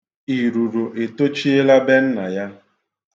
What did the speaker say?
Iruro etochiela be nna ya.